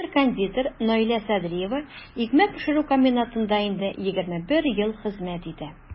Мастер-кондитер Наилә Садриева икмәк пешерү комбинатында инде 21 ел хезмәт итә.